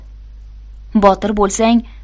botir bo'lsang